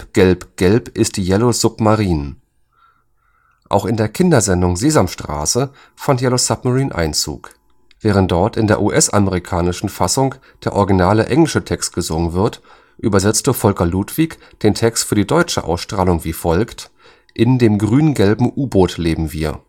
gelb, gelb ist die Yellow Submarine “. Auch in der Kindersendung Sesamstraße fand „ Yellow Submarine “Einzug. Während dort in der US-amerikanischen Fassung der originale englische Text gesungen wird, übersetzte Volker Ludwig den Text für die deutsche Ausstrahlung wie folgt: „ In dem grün-gelben U-Boot leben wir